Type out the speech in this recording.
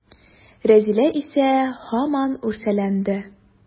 Рәзилә исә һаман үрсәләнде.